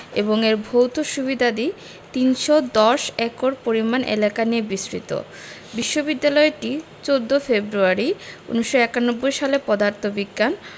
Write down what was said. এবং এর ভৌত সুবিধাদি ৩১০ একর পরিমাণ এলাকা নিয়ে বিস্তৃত বিশ্ববিদ্যালয়টি ১৪ ফেব্রুয়ারি ১৯৯১ সালে পদার্থ বিজ্ঞান